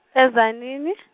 e- Tzaneen.